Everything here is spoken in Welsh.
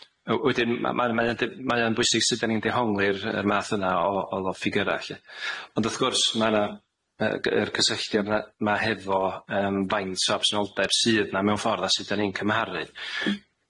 W- wedyn ma' ma' mae o'n d- mae o'n bwysig sud 'dan ni'n dehongli'r y math yna o o o ffigyra' 'lly ond wrth gwrs ma' 'na yy gy- yr cysylltiad 'na 'ma hefo yym faint o absenoldeb sydd 'na mewn ffordd a sud 'dan ni'n cymharu.